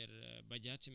merci beaucoup Sow